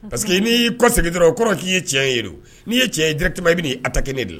Pa que n'i kɔ segin dɔrɔn o kɔrɔ k'i ye tiɲɛ ye n'i ye cɛ ye d i bɛ' a ta kelen ne de la